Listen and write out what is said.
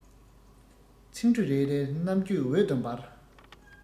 ཚིག འབྲུ རེ རེར རྣམ དཔྱོད འོད དུ འབར